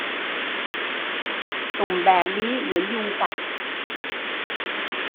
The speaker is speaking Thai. ตุ่มแบบนี้เหมือนยุงกัด